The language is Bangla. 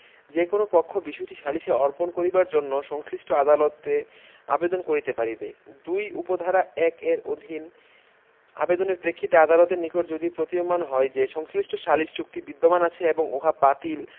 যে কোন পক্ষ বিষয়টি সালিসে অর্পণ করিবার জন্য সংশ্লিষ্ট আদালতে আবেদন করিতে পারিবে ২ উপ ধারা ১ এর অধীন আবেদনের প্রেক্ষিতে আদালতের নিকট যদি প্রতীয়মান হয় যে সংশ্লিষ্ট সালিস চুক্তি বিদ্যমান আছে এবং উহা বাতিল